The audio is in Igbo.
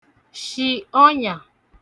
shi ọnyà